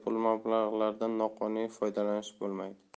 pul mablag'laridan noqonuniy foydalanish bo'lmaydi